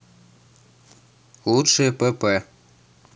лучшее пп